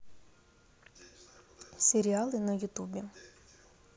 сериалы на ютубе